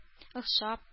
Охшап